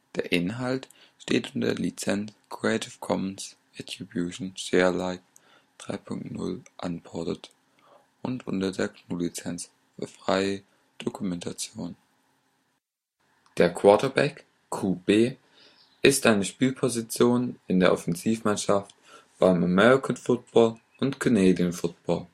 Der Inhalt steht unter der Lizenz Creative Commons Attribution Share Alike 3 Punkt 0 Unported und unter der GNU Lizenz für freie Dokumentation. Ein Quarterback beim Werfen eines Passes Der Quarterback (QB) ist eine Spielposition in der Offensivmannschaft beim American Football und Canadian Football